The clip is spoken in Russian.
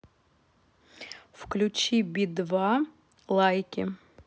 включи би два лайки